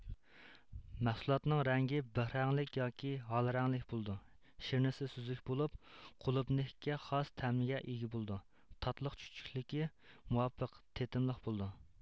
مەھسۇلاتنىڭ رەڭگى بېخرەڭلىك ياكى ھال رەڭلىك بولىدۇ شىرنىسى سۈزۈك بولۇپ قۇلۇبنىككە خاس تەمگە ئىگە بولىدۇ تاتلىق چۈچۈكلۈكى مۇۋاپىق تېتىملىق بولىدۇ